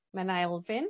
Menna Elfyn,